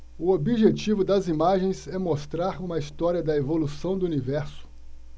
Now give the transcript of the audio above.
o objetivo das imagens é mostrar uma história da evolução do universo